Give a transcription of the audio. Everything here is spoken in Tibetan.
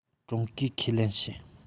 ཀྲུང གོས ཁས ལེན བྱོས